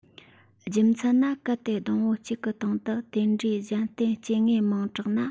རྒྱུ མཚན ནི གལ ཏེ སྡོང བོ གཅིག གི སྟེང དུ དེ འདྲའི གཞན བརྟེན སྐྱེ དངོས མང དྲགས ན